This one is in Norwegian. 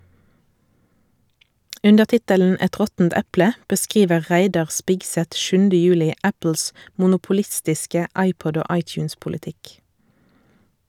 Under tittelen "Et råttent eple" beskriver Reidar Spigseth 7. juli Apples monopolistiske iPod- og iTunes-politikk.